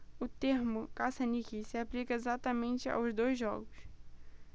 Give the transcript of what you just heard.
o termo caça-níqueis se aplica exatamente aos dois jogos